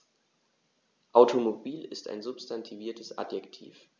Automobil ist ein substantiviertes Adjektiv.